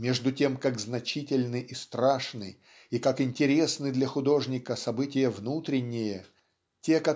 Между тем как значительны и страшны и как интересны для художника события внутренние те